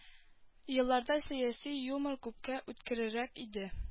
Елларда сәяси юмор күпкә үткерерәк иде